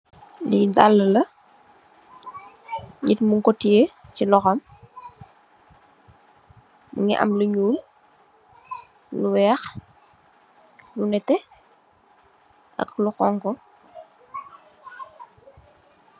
Lii daale la, nit mung ko tiye, si loxom, mingi am lu nyuul, lu weex, lu nete, ak lu xonxu.